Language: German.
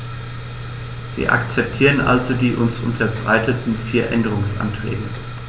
Wir akzeptieren also die uns unterbreiteten vier Änderungsanträge.